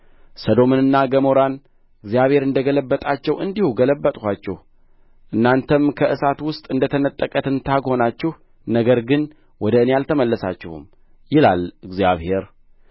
ሰዶምንና ገሞራን እግዚአብሔር እንደ ገለበጣቸው እንዲሁ ገለበጥኋችሁ እናንተም ከእሳት ውስጥ እንደ ተነጠቀ ትንታግ ሆናችሁ ነገር ግን ወደ እኔ አልተመለሳችሁም ይላል እግዚአብሔር